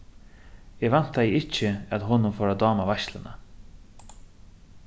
eg væntaði ikki at honum fór at dáma veitsluna